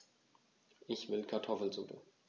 Ich will Kartoffelsuppe.